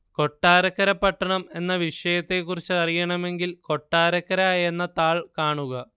കൊട്ടാരക്കര പട്ടണം എന്ന വിഷയത്തെക്കുറിച്ച് അറിയണമെങ്കിൽ കൊട്ടാരക്കര എന്ന താൾ കാണുക